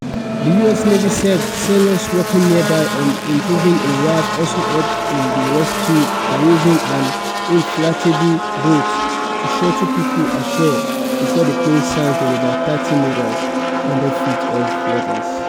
The U.S. Navy said sailors working nearby on improving a wharf also helped in the rescue by using an inflatable boat to shuttle people ashore before the plane sank in about 30 meters (100 feet) of water.